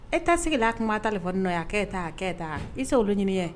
E tɛ sigi la a kuma' tali fɔ n'o a keyita a keyita i tɛ olu ɲini ye